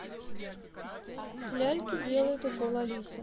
ляльке делают укол алиса